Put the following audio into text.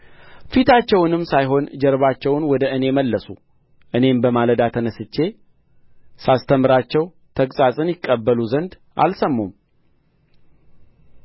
ፊታቸውንም ሳይሆን ጀርባቸውን ወደ እኔ መለሱ እኔም በማለዳ ተነሥቼ ሳሰተምራቸው ተግሣጽን ይቀበሉ ዘንድ አልሰሙም